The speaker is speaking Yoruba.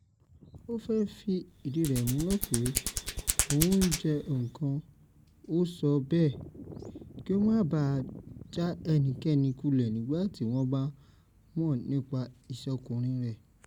Ó fẹ́ fi ìdí rẹ̀ múlẹ̀ pé òun jẹ́ “ǹkan” ó sọ bẹ́ẹ̀, kí ó má ba à já ẹnikẹ́ni kulẹ nígbàtí wọ́n bá mọ̀ nípa ìṣọ̀kùnrin rẹ̀.